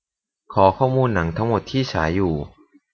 ขอข้อมูลหนังทั้งหมดที่ฉายอยู่